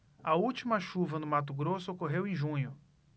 a última chuva no mato grosso ocorreu em junho